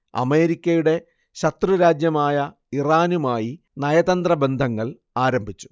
അമേരിക്കയുടെ ശത്രുരാജ്യമായ ഇറാനുമായി നയതന്ത്ര ബന്ധങ്ങൾ ആരംഭിച്ചു